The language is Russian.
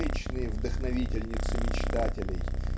вечные вдохновительницы мечтателей